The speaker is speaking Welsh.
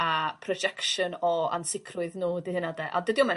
a pro jecsion o amsicrwydd nw dy huna dau a dydym yn esgus